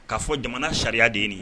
K kaa fɔ jamana sariya den ye